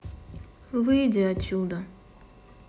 выйди отсюда